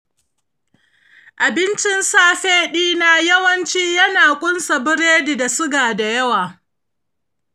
abincin safe ɗina yawanci ya na ƙunsa biredi da suga da yawa.